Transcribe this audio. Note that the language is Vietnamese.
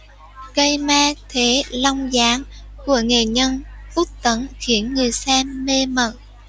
cây me thế long giáng của nghệ nhân út tấn khiến người xem mê mẩn